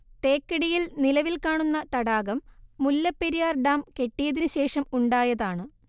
തേക്കടിയിൽ നിലവിൽ കാണുന്ന തടാകം മുല്ലപ്പെരിയാർ ഡാം കെട്ടിയതിന് ശേഷം ഉണ്ടായതാണ്